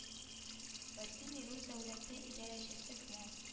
Василий рус дәүләте идарәчесе князь